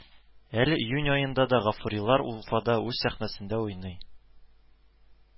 Әле июнь аенда да гафурилылар Уфада үз сәхнәсендә уйный